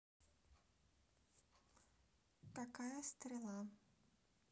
какая стрела